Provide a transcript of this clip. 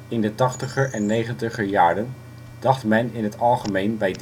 In de tachtiger en negentiger jaren dacht men in het algemeen bij " directeur